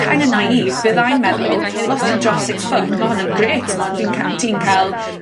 kind of naive, byddai'n meddwl wel os ti'n dros six foot ma' hwnna'n grêt. T'mod fi'n ca- ti'n ca'l